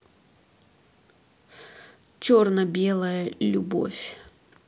черно белая любовь